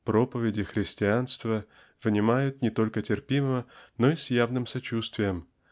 проповеди христианства внимают не только терпимо но и с явным сочувствием